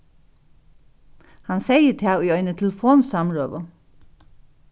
hann segði tað í eini telefonsamrøðu